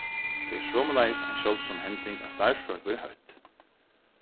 tað er somuleiðis ein sjáldsom hending at starvsfólk verða hótt